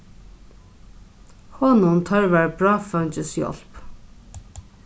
honum tørvar bráðfeingishjálp